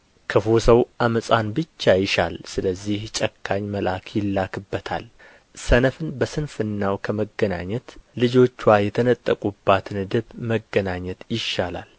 ክፉ ሰው ዓመፃን ብቻ ይሻል ስለዚህ ጨካኝ መልአክ ይላክበታል ሰነፍን በስንፍናው ከመገናኘት ልጆችዋ የተነጠቁባትን ድብ መገናኘት ይሻላል